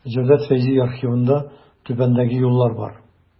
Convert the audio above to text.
Җәүдәт Фәйзи архивында түбәндәге юллар бар.